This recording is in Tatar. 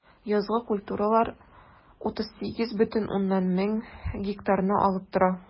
Язгы культуралар 38,8 мең гектарны алып тора.